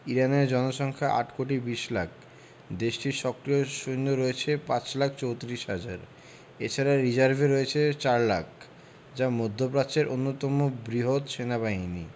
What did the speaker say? ইরানের জনসংখ্যা ৮ কোটি ২০ লাখ দেশটির সক্রিয় সৈন্য রয়েছে ৫ লাখ ৩৪ হাজার এ ছাড়া রিজার্ভে রয়েছে ৪ লাখ যা মধ্যপ্রাচ্যের অন্যতম বৃহৎ সেনাবাহিনী